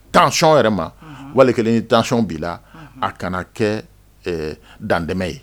Tanc yɛrɛ ma wali kɛlensɔn bi la a kana kɛ dantɛmɛ ye